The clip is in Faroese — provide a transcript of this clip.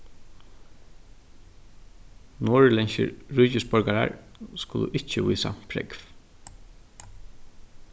norðurlendskir ríkisborgarar skulu ikki vísa prógv